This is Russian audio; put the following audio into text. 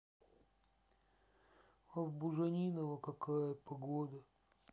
а в бужаниново какая погода